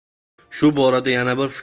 shu borada yana bir